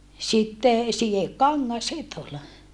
sitten sidekangas sitten oli